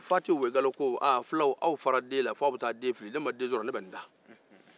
fati woyigalo ko fulaw aw fara den na f'aw bɛ taa a fil ne ma den sɔrɔ ne nin ta